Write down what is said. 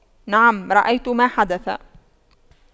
نعم رأيت ما حدث